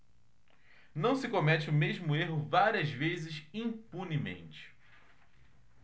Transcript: não se comete o mesmo erro várias vezes impunemente